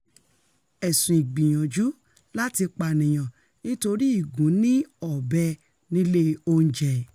Ẹ̀sùn ìgbìyànjú láti pànìyàn nítorí ìgúnnilọ́bẹ nílé oúnjẹ